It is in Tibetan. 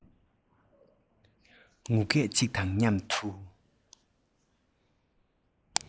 ངུ སྐད གཅིག དང མཉམ དུ